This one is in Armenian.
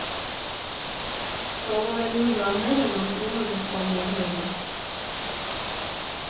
Սովորելու ժամերն ընտրում են ուսանողները։